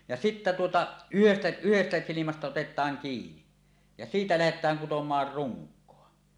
ja sitten tuota yhdestä yhdestä silmästä otetaan kiinni ja siitä lähdetään kutomaan runkoa